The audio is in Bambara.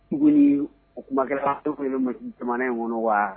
Jigi o kumakɛ ne bɛ muso jamana in kɔnɔ wa